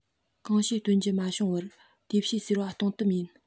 གང བྱས སྟོན རྒྱུ མ བྱུང བར དེ བྱས ཟེར བ སྟོང གཏམ ཡིན